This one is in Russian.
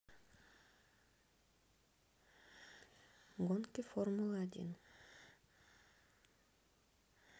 гонки формулы один